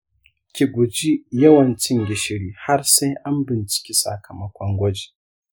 ki guji yawan cin gishiri har sai an binciki sakamakon gwaji.